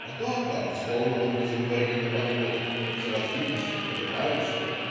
Атака!" - взволнованно заговорили на подводах, завозились, подымаются.